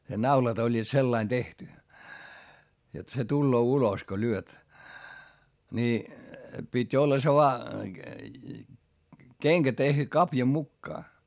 ne naulat olivat sillä lailla tehty jotta se tulee ulos kun lyöt niin piti olla se vain kenkä tehty kavio mukaan